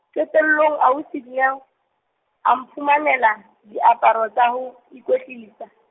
qetellong ausi Dineo, a mphumanela diaparo tsa ho, ikwetlisa.